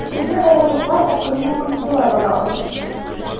Теге авырлыклар акрынлап онытыла бара, ахрысы.